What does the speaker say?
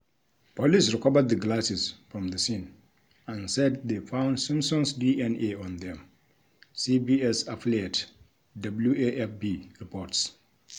Police recovered the glasses from the scene and said they found Simpson's DNA on them, CBS affiliate WAFB reports.